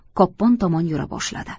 koppon tomon yura boshladi